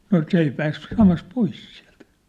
no se ei pääse samassa pois sieltä